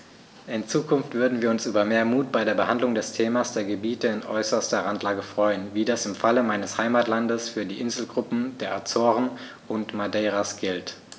In Zukunft würden wir uns über mehr Mut bei der Behandlung des Themas der Gebiete in äußerster Randlage freuen, wie das im Fall meines Heimatlandes für die Inselgruppen der Azoren und Madeiras gilt.